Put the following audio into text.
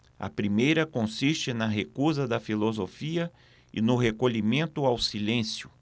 a primeira consiste na recusa da filosofia e no recolhimento ao silêncio